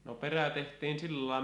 no perä tehtiin sillä lailla